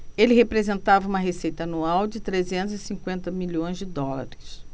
ele representava uma receita anual de trezentos e cinquenta milhões de dólares